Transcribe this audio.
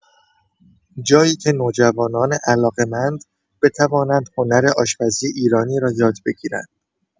جایی که نوجوانان علاقه‌مند بتوانند هنر آشپزی ایرانی را یاد بگیرند.